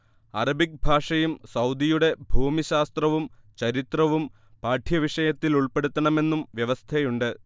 Arabic ഭാഷയും സൗദിയുടെ ഭൂമിശാസ്ത്രവും ചരിത്രവും പാഠ്യവിഷയത്തിലുൾപ്പെടുത്തണമെന്നും വ്യവസ്ഥയുണ്ട്